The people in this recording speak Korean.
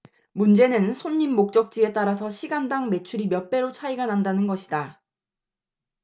문제는 손님 목적지에 따라서 시간당 매출이 몇 배로 차이가 난다는 것이다